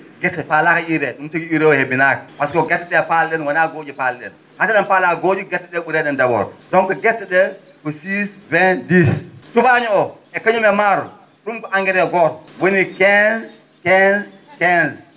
gerte faalaaka UREE ?um tagi UREE o hebbinaaka pasque ko gerte ?e fala?en wona goo?i fala?en hay sinno en fala goo?i gerte ?e ?urani en d' abord donc gerte ?e ko 6 20 10 tubaañoo o e kañum e maaro ?um ko engrais gooto won 15 15 15